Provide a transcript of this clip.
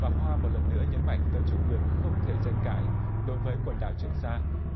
bà hoa một lần nữa nhấn mạnh tới chủ quyền không thể tranh cãi đối với quần đảo trường sa